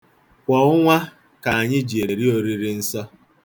Kwa ọnwa ka anyị ji eri Oriri Nsọ.